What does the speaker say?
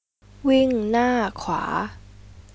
วิ่งหน้าขวา